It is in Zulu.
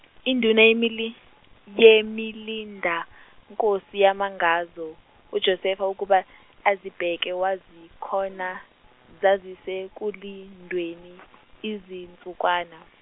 induna yemili- yemilindankosi yama ngazo, uJosefa ukuba azibheke wazikhonza zazisekulindweni , izinsukwana.